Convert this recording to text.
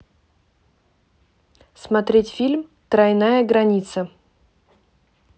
смотреть фильм тройная граница